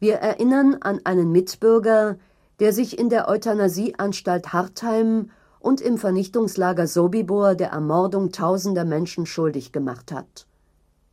erinnern an einen Mitbürger, der sich in der Euthanasieanstalt Hartheim und im Vernichtungslager Sobibor der Ermordung tausender Menschen schuldig gemacht hat.